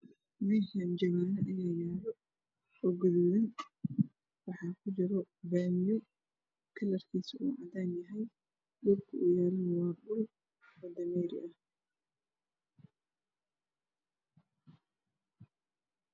Meeshan jawan ayaa yaalo oo guduudan waxaa kujiro baamiyo kalarkiisu uu cadaan yahay dhulka uu yaalana waa dhul dimeeri ah